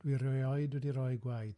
Dwi erioed wedi rhoi gwaed.